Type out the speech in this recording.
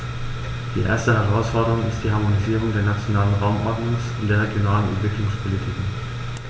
Die erste Herausforderung ist die Harmonisierung der nationalen Raumordnungs- und der regionalen Entwicklungspolitiken.